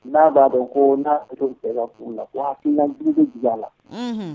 N'a b'a dɔn ko n'a bɛɛ furu la ko a bila la